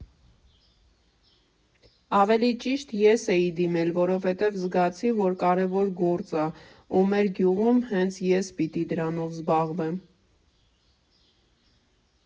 Ավելի ճիշտ, ես էի դիմել, որովհետև զգացի, որ կարևոր գործ ա ու մեր գյուղում հենց ես պիտի դրանով զբաղվեմ։